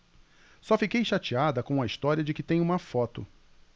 só fiquei chateada com a história de que tem uma foto